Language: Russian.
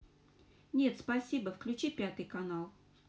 нет спасибо включи пятый канал